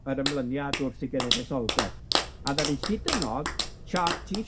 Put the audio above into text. yr ymlyniad wrth 'i genedlaetholdeb, a ddaru hyd yn o'd Cha- Tee